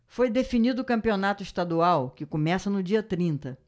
foi definido o campeonato estadual que começa no dia trinta